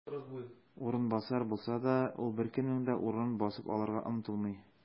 "урынбасар" булса да, ул беркемнең дә урынын басып алырга омтылмый.